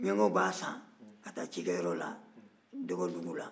miɲankaw b'a san ka taa cikɛ yɔrɔ la dɔgɔduguw la